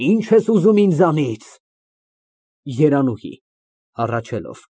Ի՞նչ ես ուզում ինձանից։ ԵՐԱՆՈՒՀԻ ֊ (Հառաչելով)